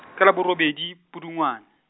ka la borobedi, Pudungwane.